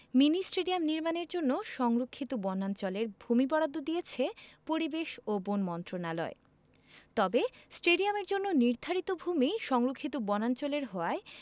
mini stadium নির্মাণের জন্য সংরক্ষিত বনাঞ্চলের ভূমি বরাদ্দ দিয়েছে পরিবেশ ও বন মন্ত্রণালয় তবে স্টেডিয়ামের জন্য নির্ধারিত ভূমি সংরক্ষিত বনাঞ্চলের হওয়ায়